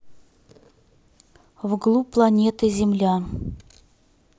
вглубь планеты земля